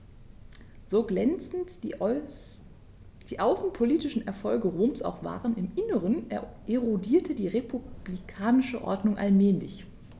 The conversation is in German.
So glänzend die außenpolitischen Erfolge Roms auch waren: Im Inneren erodierte die republikanische Ordnung allmählich.